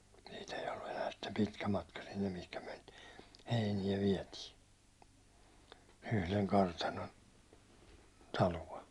siitä ei ollut enää sitten pitkä matka sinne mihin me niitä heiniä vietiin yhden kartanon taloa